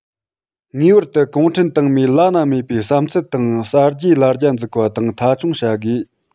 ངེས པར དུ གུང ཁྲན ཏང མིའི བླ ན མེད པའི བསམ ཚུལ དང གསར བརྗེའི ལ རྒྱ འཛུགས པ དང མཐའ འཁྱོངས བྱ དགོས